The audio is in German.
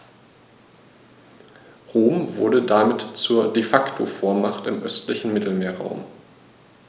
Rom wurde damit zur ‚De-Facto-Vormacht‘ im östlichen Mittelmeerraum.